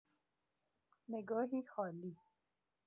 نگاهی خالی